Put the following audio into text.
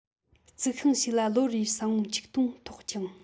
རྩི ཤིང ཞིག ལ ལོ རེར ས བོན ཆིག སྟོང ཐོགས ཀྱང